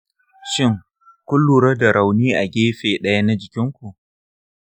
shin, kun lura da rauni a gefe ɗaya na jikin ku?